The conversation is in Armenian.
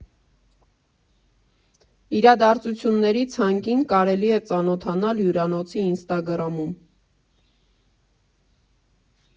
Իրադարձությունների ցանկին կարելի է ծանոթանալ հյուրանոցի ինստագրամում։